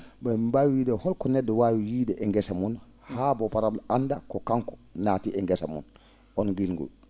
min mbaawi wiide holko ne??o waawi yiide e gesa mum haa bo para annda ko kanko naati e gesa mum nguun ngilngu